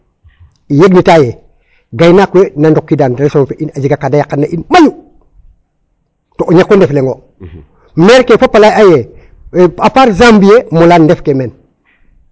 Yegnita yee gaynaak we na ndokiida région ke in a jega ken yaqana in mayu to o ñak o ndef leŋ o mairie ke fop a lay aye a part moolan ndef ke men.